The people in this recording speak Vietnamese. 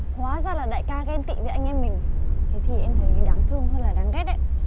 hóa ra là đại ca ghen tị với anh em mình thế thì em thấy đáng thương hơn là đáng ghét đấy